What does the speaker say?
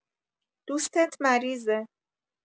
دوستت مریضه